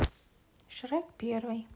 шрек первый